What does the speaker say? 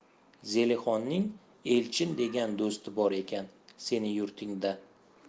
zelixonning elchin degan do'sti bor ekan sening yurtingda